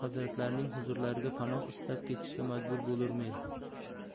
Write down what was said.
hazratlarining huzurlariga panoh istab ketishga majbur bo'lurmen